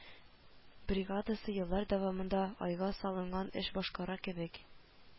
Бригадасы еллар дәвамында айга салынган эш башкара кебек